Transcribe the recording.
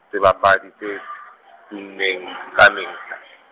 sebapadi se, tummeng kamehla.